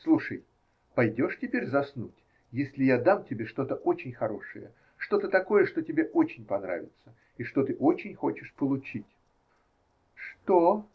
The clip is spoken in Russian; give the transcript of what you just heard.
Слушай, пойдешь теперь заснуть, если я дам тебе что-то очень хорошее, что-то такое, что тебе очень понравится и что ты очень хочешь получить? -- Что?